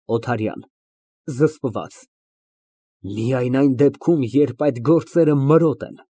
ՕԹԱՐՅԱՆ ֊ (Զսպված) Միայն այն դեպքում, երբ այդ գործերը մրոտ են։